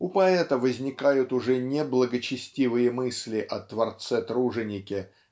у поэта возникают уже не благочестивые мысли о Творце-труженике